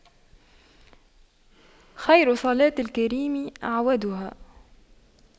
خير صِلاتِ الكريم أَعْوَدُها